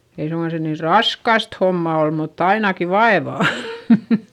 ei suinkaan se niin raskasta hommaa ole mutta ainakin vaivaa